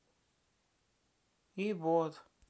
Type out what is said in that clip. и бот